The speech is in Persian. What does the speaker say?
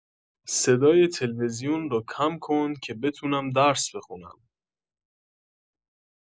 صدای تلویزیون رو کم کن که بتونم درس بخونم